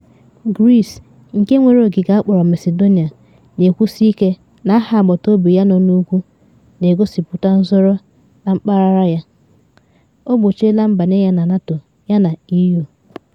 Greece, nke nwere ogige akpọrọ Macedonia, na ekwusi ike na aha agbataobi ya nọ n’ugwu na egosipụta nzọrọ na mpaghara ya, o gbochiela mbanye ya na NATO yana EU.